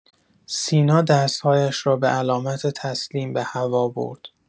سینا دست‌هایش را به علامت تسلیم به هوا برد.